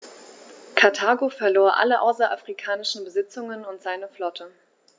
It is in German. Karthago verlor alle außerafrikanischen Besitzungen und seine Flotte.